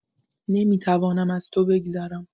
نمی‌توانم از تو بگذرم!